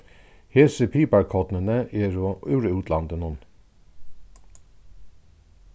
hesi piparkornini eru úr útlandinum